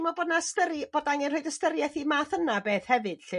me'l bod na ystyru bod angen rhoi ystyrieth i'r math yna beth hefyd llu?